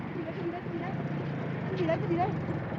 đấy cái gì đấy